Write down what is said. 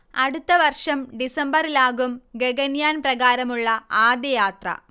അടുത്ത വർഷം ഡിസംബറിലാകും ഗഗൻയാൻ പ്രകാരമുള്ള ആദ്യ യാത്ര